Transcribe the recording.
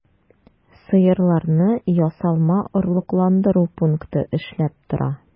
Сыерларны ясалма орлыкландыру пункты эшләп тора.